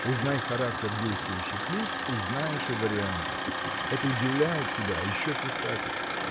Узнай характер действующих лиц, узнаешь и варианты. Это удивляет тебя, а еще писатель!